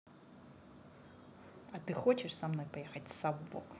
а ты хочешь со мной поехать совок